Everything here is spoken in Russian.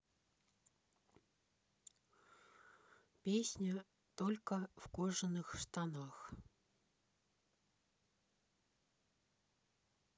песня только в кожаных штанах